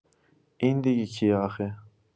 این دیگه کیه آخه؟